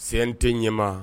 Sen tɛ ɲɛma